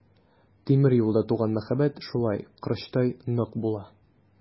Тимер юлда туган мәхәббәт шулай корычтай нык булып чыга.